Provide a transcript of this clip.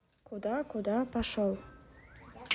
куда куда пошел